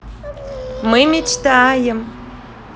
мы мечтаем